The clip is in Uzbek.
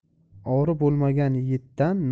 ori bo'lmagan yigitdan